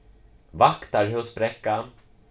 vaktarhúsbrekka